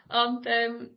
Ond yym